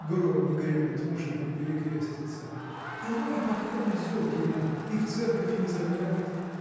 Гром не грянет, мужик не перекрестится. Иной пока везет ему и в церковь не заглянет